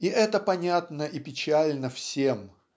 И это понятно и печально всем